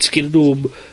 sgennyn nw'm